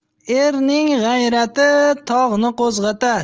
erning g'ayrati tog'ni qo'zg'atar